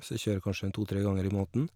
Så jeg kjører kanskje en to tre ganger i måneden.